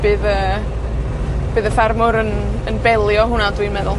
bydd yy, bydd y ffermwr yn, yn belio hwnna, dwi'n meddwl.